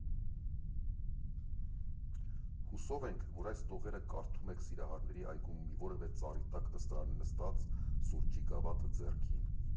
Հուսով ենք, որ այս տողերը կարդում եք Սիրահարների այգում մի որևէ ծառի տակ նստարանին նստած՝ սուրճի գավաթը ձեռքին։